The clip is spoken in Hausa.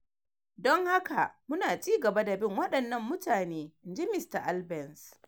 Don haka mu na ci gaba da bin wadannan mutane, "in ji Mr. Albence.